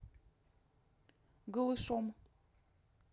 голышом